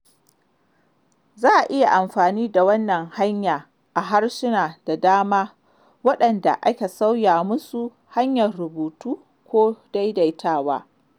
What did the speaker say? Za a iya amfani da wannan hanya a harsuna da dama waɗanda aka sauya musu hanyar rubutu ko daidaitawa.